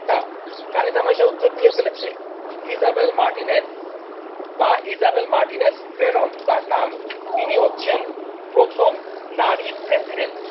কানিতা মাই শো উত্তর দিয়ে ফেলেছে ইজাবেল মার্টিনেজ বা ইজাবেল মার্টিনেজ স্পেরণ তার নাম ইনি হচ্ছেন প্রথম নারী প্রেসিডেন্ট